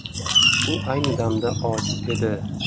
u ayni damda ojiz edi